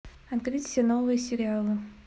открыть все новые сериалы